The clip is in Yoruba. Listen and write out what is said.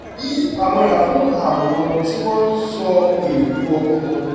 Kòní ìpamọ́ra fún àwọn ti wọ́n ńsọ èrò ọkàn wọn